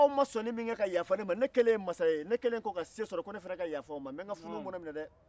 aw ma sɔnni min kɛ ka yaafa ne ma ne kɛlen kɔ mansa ye ne kelen ka se sɔrɔ ko ne fana ka yaafa aw ma n bɛ n ka funu mɔnɛ minɛ dɛ